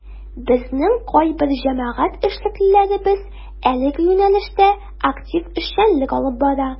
Безнең кайбер җәмәгать эшлеклеләребез әлеге юнәлештә актив эшчәнлек алып бара.